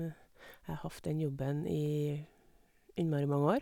Jeg har hatt den jobben i innmari mange år.